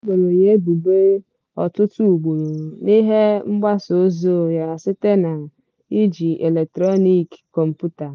E boro ya ebubo ọtụtụ ugboro n'ihi "mgbasa ozi ụgha site n'iji eletrọniik kọmputa"